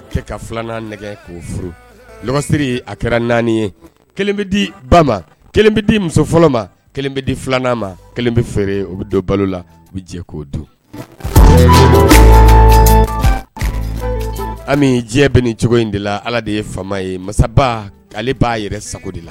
Kɛra naani ye bɛ di ba kelen bɛ di muso fɔlɔ ma kelen bɛ di filanan ma kelen bɛ feere bɛ don balo bɛ jɛ k' don diɲɛ bɛ ni cogo in de la ala de ye fa ye masa ale b'a yɛrɛ sago de la